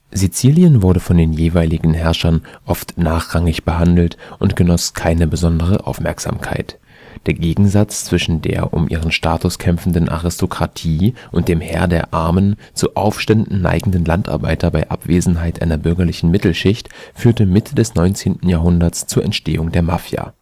Sizilien wurde von den jeweiligen Herrschern oft nachrangig behandelt und genoss keine besondere Aufmerksamkeit. Der Gegensatz zwischen der um ihren Status kämpfenden Aristokratie und dem Heer der armen, zu Aufständen neigenden Landarbeiter bei Abwesenheit einer bürgerlichen Mittelschicht führte Mitte des 19. Jahrhunderts zur Entstehung der Mafia